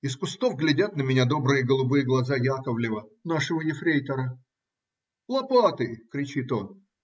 Из кустов глядят на меня добрые голубые глаза Яковлева, нашего ефрейтора. - Лопаты! - кричит он.